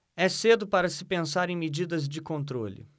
é cedo para se pensar em medidas de controle